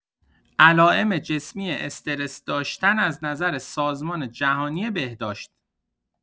علائم جسمی استرس داشتن از نظر سازمان جهانی بهداشت